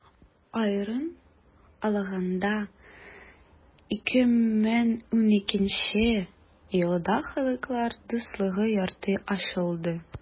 Аерым алаганда, 2012 нче елда Халыклар дуслыгы йорты ачылды.